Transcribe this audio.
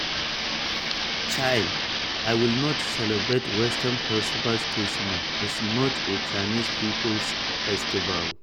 Child: I will not celebrate Western festivals Christmas is not a Chinese people’s festival.